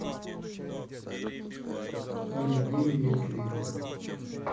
найди мне клипы